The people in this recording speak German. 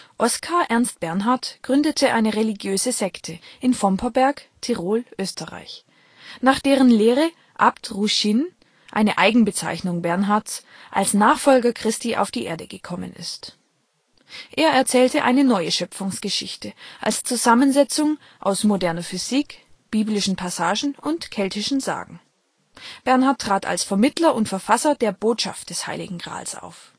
Oskar Ernst Bernhardt gründete eine religiöse Sekte in Vomperberg/Tirol, Österreich, nach deren Lehre Abd-ru-shin (eine Eigenbezeichnung Bernhardts) als Nachfolger Christi auf die Erde gekommen ist. Er erzählte eine neue Schöpfungsgeschichte als Zusammensetzung aus moderner Physik, biblischen Passagen und keltischen Sagen. Bernhardt trat als Vermittler und Verfasser der Botschaft des Heiligen Grals auf